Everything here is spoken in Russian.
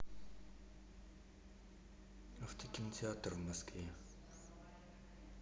автокинотеатр в москве